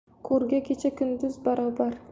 ko'rga kecha kunduz barobar